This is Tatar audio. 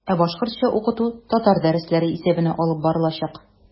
Ә башкортча укыту татар дәресләре исәбенә алып барылачак.